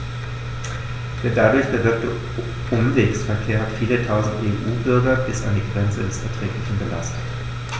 Der dadurch bewirkte Umwegsverkehr hat viele Tausend EU-Bürger bis an die Grenze des Erträglichen belastet.